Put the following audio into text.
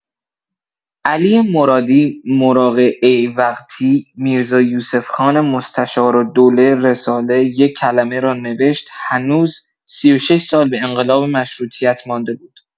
…علی مرادی مراغه‌ایوقتی میرزا یوسف خان مستشارالدوله رساله «یک کلمه» را نوشت هنوز ۳۶ سال به انقلاب مشروطیت مانده بود.